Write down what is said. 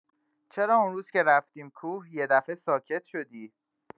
چرا اون روز که رفتیم کوه، یه دفعه ساکت شدی؟